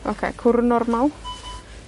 Oce cwrw normal